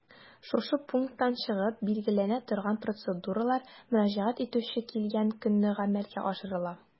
Шушы пункттан чыгып билгеләнә торган процедуралар мөрәҗәгать итүче килгән көнне гамәлгә ашырыла.